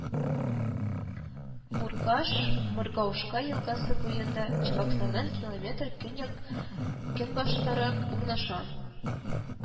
Муркаш Моргаушка елгасы буенда, Чабаксардан километр көньяк-көнбатыштарак урнаша